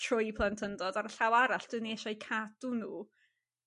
trwy plentyndod ar y llaw arall 'dyn ni eisiau cadw nhw